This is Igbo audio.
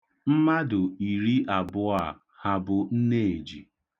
Mmadụ iri abụọ a, ha bụ nneeji?